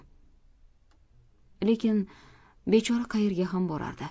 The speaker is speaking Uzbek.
lekin bechora qayerga ham borardi